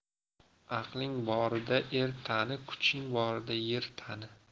aqling borida er tani kuching borida yer tani